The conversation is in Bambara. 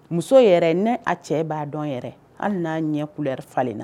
Muso yɛrɛ ne a cɛ b'a dɔn yɛrɛ hali n'a ɲɛ couleur falenna